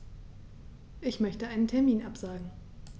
Ich möchte einen Termin absagen.